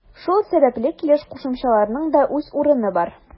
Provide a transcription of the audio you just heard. Шул сәбәпле килеш кушымчаларының да үз урыны бар.